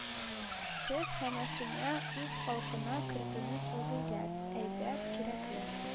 Сез һәммәсене үз халкына кертүне фазыйләт (әйбәт; кирәкле)